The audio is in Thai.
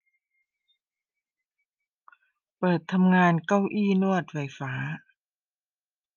เปิดทำงานเก้าอี้นวดไฟฟ้า